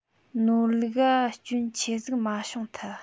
ནོར ལུག ག སྐྱོན ཆེ ཟིག མ བྱུང ཐལ